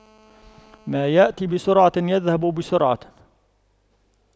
ما يأتي بسرعة يذهب بسرعة